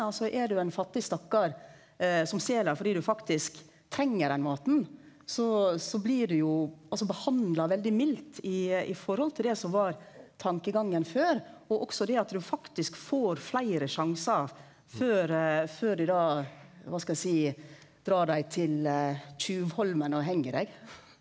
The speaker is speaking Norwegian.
altså er du ein fattig stakkar som stel fordi du faktisk treng denne maten så så blir du jo altså behandla veldig mildt i i forhold til det som var tankegangen før og også det at du faktisk får fleire sjansar før før dei da kva skal eg seie drar dei til Tjuvholmen og heng deg.